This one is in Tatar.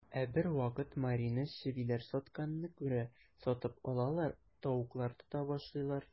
Ә бервакыт Марина чебиләр сатканны күрә, сатып алалар, тавыклар тота башлыйлар.